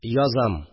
Язам